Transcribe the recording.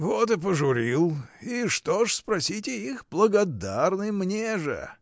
Вот и пожурил: и что ж, спросите их: благодарны мне же!